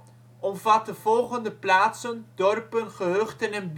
volgende plaatsen, dorpen, gehuchten en